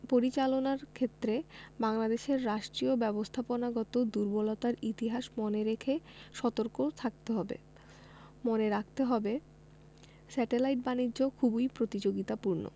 পরিচালনার ক্ষেত্রে বাংলাদেশের রাষ্ট্রীয় ব্যবস্থাপনাগত দূর্বলতার ইতিহাস মনে রেখে সতর্ক থাকতে হবে মনে রাখতে হবে স্যাটেলাইট বাণিজ্য খুবই প্রতিযোগিতাপূর্ণ